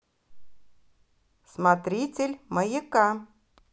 смотритель маяка